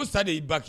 Ko sa de ye i ba ki